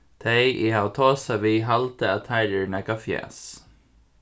tey eg havi tosað við halda at teir eru nakað fjas